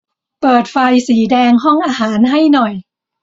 เปิดไฟสีแดงห้องอาหารให้หน่อย